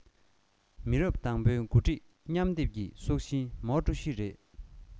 མི རབས དང པོའི འགོ ཁྲིད མཉམ སྡེབ ཀྱི སྲོག ཤིང ནི མའོ ཀྲུའུ ཞི རེད